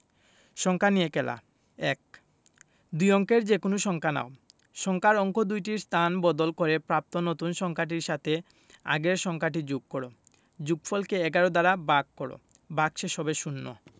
সংখ্যা নিয়ে খেলা ১ দুই অঙ্কের যেকোনো সংখ্যা নাও সংখ্যার অঙ্ক দুইটির স্থান বদল করে প্রাপ্ত নতুন সংখ্যাটির সাথে আগের সংখ্যাটি যোগ কর যোগফল কে ১১ দ্বারা ভাগ কর ভাগশেষ হবে শূন্য